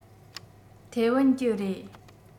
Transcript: ཐའེ ཝན གྱི རེད